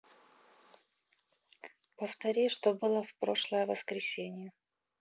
повтори что было в прошлое воскресенье